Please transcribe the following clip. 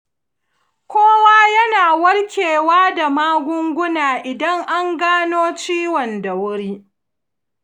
kowa yana warkewa da magunguna idan an gano ciwon da wuri.